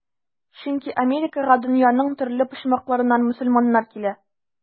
Чөнки Америкага дөньяның төрле почмакларыннан мөселманнар килә.